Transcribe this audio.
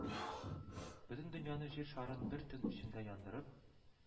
Бөтен дөньяны, Җир шарын бер төн эчендә яндырып